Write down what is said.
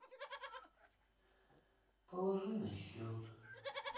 положи на счет